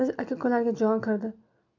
biz aka ukalarga jon kirdi